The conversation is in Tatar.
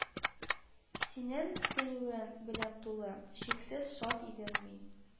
Синең сөюең белән тулы, чиксез шат идем мин